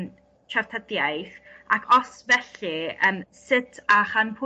traftydiaeth ac os felly yym sut a chan pwy?